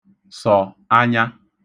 sọ̀ anya